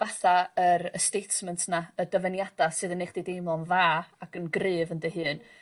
fatha yr y statement 'na y dyfyniada sydd yn neu' chdi deimlo'n dda ac yn gryf yn dy hun